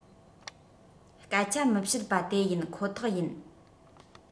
སྐད ཆ མི བཤད པ དེ ཡིན ཁོ ཐག ཡིན